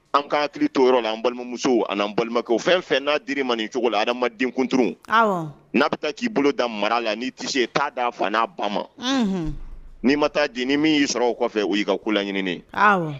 An k ka hakili to yɔrɔ la an balimamuso ani balimakɛ o fɛn fɛn n'a di ma nin cogo la adamadenkunturu n'a bɛ taa k'i bolo da mara la n ni tɛ se ye t'a da a fa n'a ba ma n'i ma taa di ni min y'i sɔrɔ o kɔfɛ o y'i ka kulanɲini